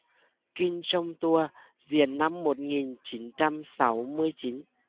king trong tour diễn năm một nghìn chín trăm sáu mươi chín